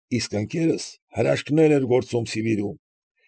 Իսկ ընկերս հրաշքներ էր գործում Սիբիրում։